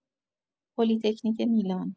پلی‌تکنیک میلان